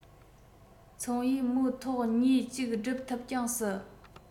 ཚོང ཡིས མོའི ཐོག གཉིས གཅིག བསྒྲུབ ཐུབ ཀྱང སྲིད